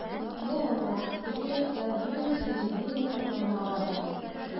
Йа Аллаһ, теге якта, йөз, йөз илле метрлы гына арада!